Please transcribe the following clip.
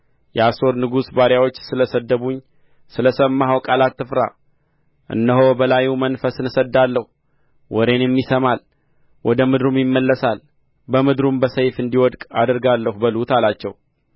የአሦር ንጉሥ ባሪያዎች ስለ ሰደቡኝ ስለ ሰማኸው ቃል አትፍራ እነሆ በላዩ መንፈስን እሰድዳለሁ ወሬንም ይሰማል ወደ ምድሩም ይመለሳል በምድሩም በሰይፍ እንዲወድቅ አደርጋለሁ በሉት አላቸው